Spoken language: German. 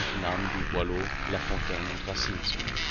Namen wie Boileau, La Fontaine und Racine zu nennen